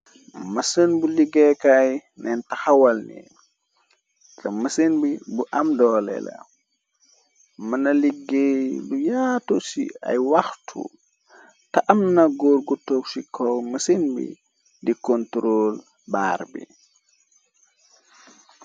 Mësen bu liggéekaay neen taxawalni. Te mësen bi bu am doole la mëna liggéey lu yaatu ci ay waxtu. Te am na góorgu tog chikow mëseen bi di kontrool baar bi.